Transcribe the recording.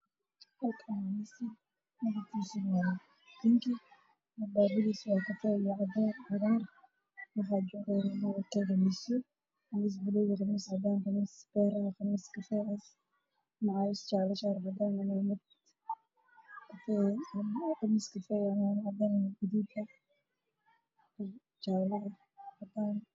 Meeshan waa masaajid niman ayaa tahay oo khamiistii way ka horraan